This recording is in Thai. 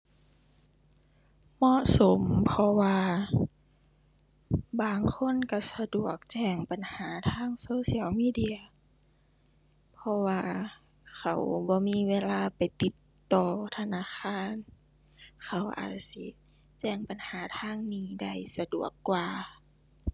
เหมาะสม เพราะว่าบางคนก็สะดวกแจ้งปัญหาทาง social media เพราะว่าเขาบ่มีเวลาไปติดต่อธนาคาร เขาอาจสิแจ้งปัญหาทางนี้ได้สะดวกกว่า